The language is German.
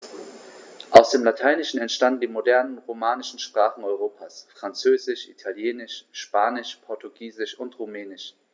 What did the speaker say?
Aus dem Lateinischen entstanden die modernen „romanischen“ Sprachen Europas: Französisch, Italienisch, Spanisch, Portugiesisch und Rumänisch.